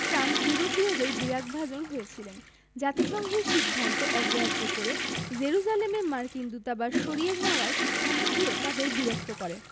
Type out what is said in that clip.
Trump ইউরোপীয়দের বিরাগভাজন হয়েছিলেন জাতিসংঘের সিদ্ধান্ত অগ্রাহ্য করে জেরুজালেমে মার্কিন দূতাবাস সরিয়ে নেওয়ার সিদ্ধান্তটিও তাদের বিরক্ত করে